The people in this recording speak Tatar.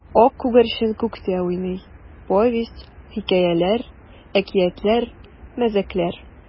Ак күгәрчен күктә уйный: повесть, хикәяләр, әкиятләр, мәзәкләр.